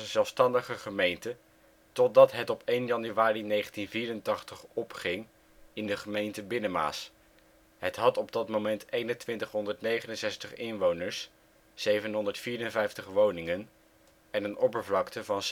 zelfstandige gemeente totdat het op 1 januari 1984 opging in de gemeente Binnenmaas; het had op dat moment 2169 inwoners, 754 woningen en een oppervlakte van